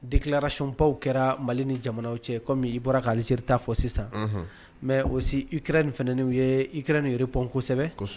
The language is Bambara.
Déclarations baw kɛra Mali ni jamana wɛrɛw cɛ . Komi i bɔra ka Alizeri ta fɔ sisan mais Risi ni Ikɛrɛni fɛnɛ u ye Ikɛrɛni répond kosɛbɛ